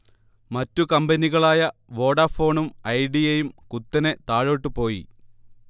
മറ്റു കമ്പനികളായ വോഡഫോണും ഐഡിയയും കുത്തനെ താഴോട്ടുപോയി